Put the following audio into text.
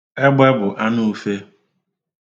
Egbe bụ anuufe.